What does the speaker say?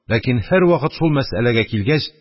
Ләкин һәрвакыт шул мәсьәләгә килгәч